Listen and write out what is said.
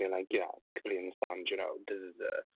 Being like, "yeah I completely understand, you know duh duh duh".